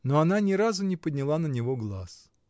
но она ни разу не подняла на него глаз.